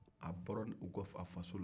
a bɔlen kɔ fɔ fɛ a faso la